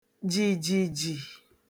jìjìji